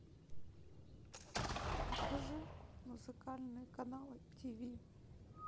покажи музыкальные каналы тв